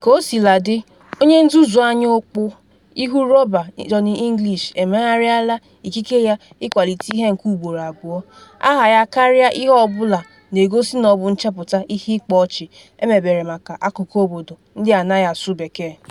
Kosiladị, onye nzuzu anya ọkpụ, ihu rọba Johnny English emegharịala ikike ya ịkwalite ihe nke ugboro abụọ - aha ya karịa ihe ọ bụla na-egosi na ọ bụ nchepụta ihe ịkpa ọchị emebere maka akụkụ obodo ndị anaghị asụ Bekee.